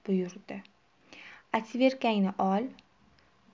buyurdi otvertkangni ol